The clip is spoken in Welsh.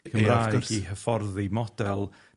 Cymraeg i hyfforddi model